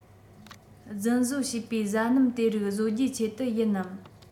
རྫུན བཟོ བྱས པའི བཟའ སྣུམ དེ རིགས བཟོ རྒྱུའི ཆེད དུ ཡིན ནམ